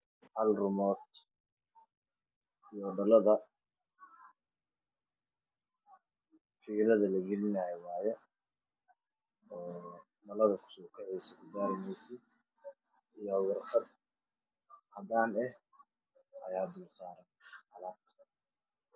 Hal remote iyo dhalada fiilada la gelinayo waaye iyo xarig jaajar oo mobeelada yaryarka ah iyo waraaqad cad